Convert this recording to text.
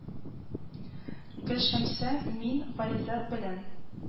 Гөлшәмсә, мин гариза белән